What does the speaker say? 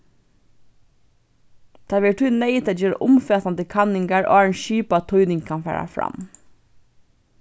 tað verður tí neyðugt at gera umfatandi kanningar áðrenn skipað týning kann fara fram